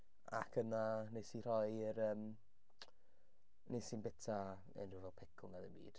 Ac yna wnes i rhoi'r yym... wnes i'm byta unrhyw fel pickle 'na dim byd.